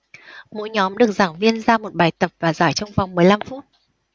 mỗi nhóm được giảng viên giao một bài tập và giải trong vòng mười lăm phút